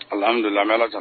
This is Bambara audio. Ahamiduha ala kan